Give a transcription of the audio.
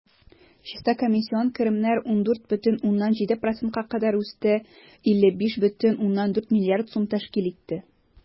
Чиста комиссион керемнәр 14,7 %-ка үсте, 55,4 млрд сум тәшкил итте.